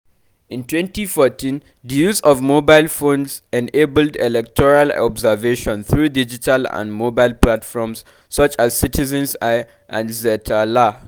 In 2014, the use of mobile phones enabled electoral observation through digital and mobile platforms such as Citizen's Eye and Txeka-lá.